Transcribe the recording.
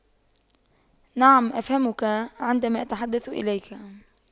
نعم أفهمك عندما أتحدث إليك